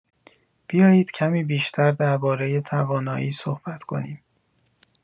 بیایید کمی بیشتر درباره توانایی صحبت کنیم.